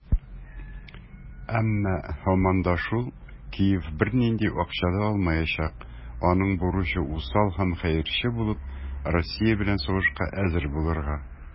Әмма, һаман да шул, Киев бернинди акча да алмаячак - аның бурычы усал һәм хәерче булып, Россия белән сугышка әзер булырга.